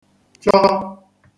-chọ